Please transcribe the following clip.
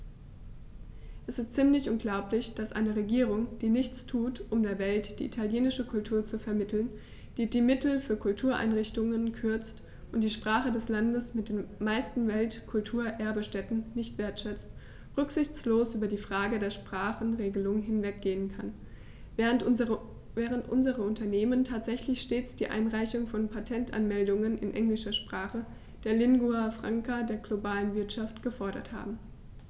Es ist ziemlich unglaublich, dass eine Regierung, die nichts tut, um der Welt die italienische Kultur zu vermitteln, die die Mittel für Kultureinrichtungen kürzt und die Sprache des Landes mit den meisten Weltkulturerbe-Stätten nicht wertschätzt, rücksichtslos über die Frage der Sprachenregelung hinweggehen kann, während unsere Unternehmen tatsächlich stets die Einreichung von Patentanmeldungen in englischer Sprache, der Lingua Franca der globalen Wirtschaft, gefordert haben.